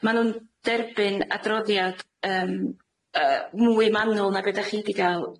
ma' nw'n derbyn adroddiad yym yy mwy manwl na be' 'dach chi 'di ga'l